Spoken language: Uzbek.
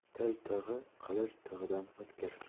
til tig'i qilich tig'idan o'tkir